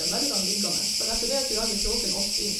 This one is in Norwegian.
Og der blir han liggende for etter det så jager kråkene oss inn.